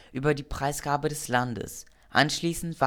über die Preisgabe des Landes. Anschließend